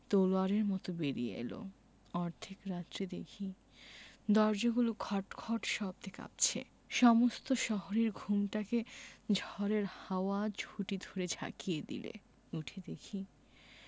তলোয়ারের মত বেরিয়ে এল অর্ধেক রাত্রে দেখি দরজাগুলো খটখট শব্দে কাঁপছে সমস্ত শহরের ঘুমটাকে ঝড়ের হাওয়া ঝুঁটি ধরে ঝাঁকিয়ে দিলে উঠে দেখি